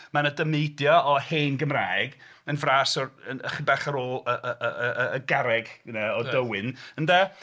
Mae 'na dameidiau o hen Gymraeg yn fras o'r... yn... chydig bach ar ôl yy y garreg 'na o Dywyn, ynde.